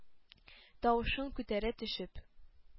Тавышын күтәрә төшеп: